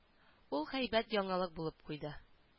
Ул һәйбәт яңалык булып куйды